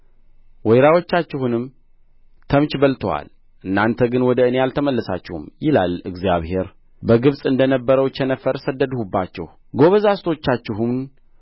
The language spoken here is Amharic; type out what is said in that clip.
ወይራዎቻችሁንም ተምች በልቶአል እናንተ ግን ወደ እኔ አልተመለሳችሁም ይላል እግዚአብሔር በግብጽ እንደ ነበረው ቸነፈርን ሰደድሁባችሁ ጐበዛዝቶቻችሁን